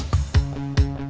dực